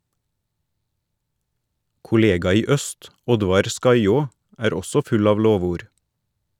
Kollega i øst, Oddvar Skaiaa, er også full av lovord.